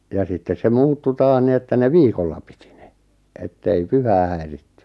ja sitten se muuttui taas niin että ne viikolla piti ne että ei pyhää häiritty